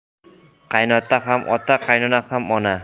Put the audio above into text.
qaynota ham ota qaynona ham ona